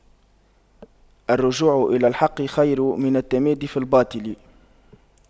الرجوع إلى الحق خير من التمادي في الباطل